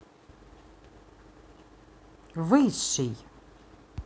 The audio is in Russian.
высший